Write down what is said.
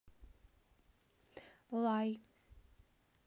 лай